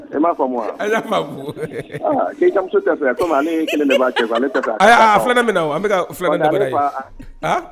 I m'a faamu a an ɲ'a faamu a Keitamuso tɛ fɛ comme alee 1 de b'a cɛ kun ale tɛ fɛ a ka dafa o ee aa 2 nan be na o an be kaa o 2 nan de aaa